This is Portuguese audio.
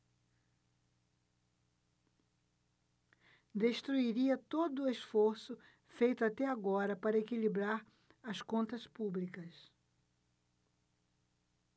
destruiria todo esforço feito até agora para equilibrar as contas públicas